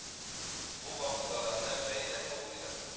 Бу вакыйгаларны бәйләп булмыйдыр